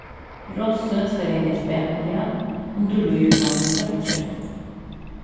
rossið skal ganga spakuliga um tú ríður fram við fólki